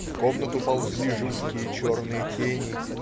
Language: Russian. В комнату ползли жуткие, черные тени.